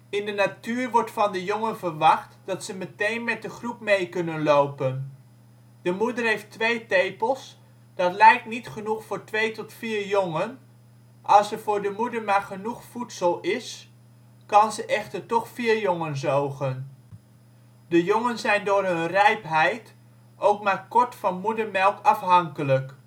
in de natuur wordt van de jongen verwacht dat ze meteen met de groep mee kunnen lopen. De moeder heeft twee tepels, dat lijkt niet genoeg voor de 2 – 4 jongen. Als er voor de moeder maar genoeg voedsel is, kan ze echter toch vier jongen zogen. De jongen zijn door hun rijpheid ook maar kort van moedermelk afhankelijk